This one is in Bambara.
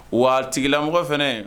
Waatitigila mɔgɔ fana